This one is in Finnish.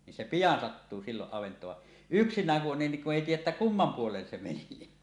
niin se pian sattuu silloin avantoon vaan yksinään kun on niin kun ei tiedä että kumman puolen se meni